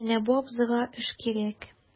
Менә бу абзыйга эш кирәк...